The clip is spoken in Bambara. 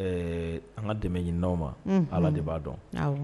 Ɛ an ka dɛmɛɲininaw ma Ala de b'a dɔn